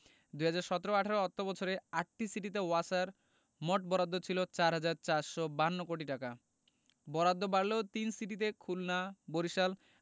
২০১৭ ১৮ অর্থবছরে আটটি সিটিতে ওয়াসার মোট বরাদ্দ ছিল ৪ হাজার ৪৫২ কোটি টাকা বরাদ্দ বাড়লেও তিন সিটিতে খুলনা বরিশাল